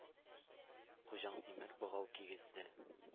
Хуҗаң тимер богау кигезде.